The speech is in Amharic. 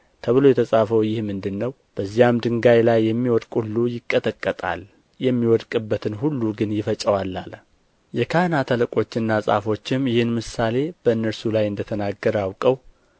ተብሎ የተጻፈው ይህ ምንድር ነው በዚያም ድንጋይ ላይ የሚወድቅ ሁሉ ይቀጠቀጣል የሚወድቅበትን ሁሉ ግን ይፈጨዋል አለ የካህናት አለቆችና ጻፎችም ይህን ምሳሌ በእነርሱ ላይ እንደ ተናገረ አውቀው